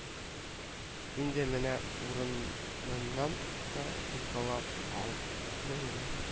Инде менә урыныннан да кузгала алмый ул